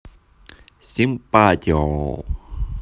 симпатио